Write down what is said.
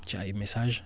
ci ay messages